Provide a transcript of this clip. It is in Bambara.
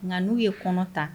Nka n'u ye kɔnɔ ta